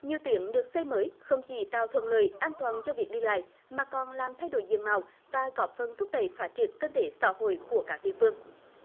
nhiều tuyến được xây mới không chỉ tạo thuận lợi an toàn cho việc đi lại mà còn làm thay đổi diện mạo và góp phần thúc đẩy phát triển kinh tế xã hội của các địa phương